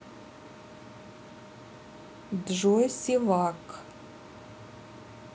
джой севак